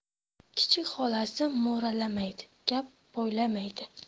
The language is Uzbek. kichik xolasi mo'ralamaydi gap poylamaydi